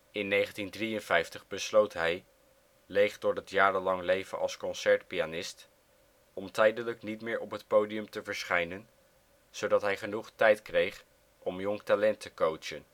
In 1953 besloot hij, leeg door het jarenlang leven als concertpianist, om tijdelijk niet meer op het podium te verschijnen, zodat hij genoeg tijd kreeg om jong talent te coachen